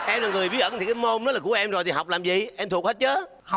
em là người bí ẩn thì cái môn đó là của em rồi thì học làm gì em thuộc hết chớ